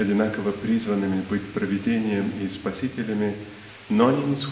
одинаково призванными быть провидением и спасителями но они не .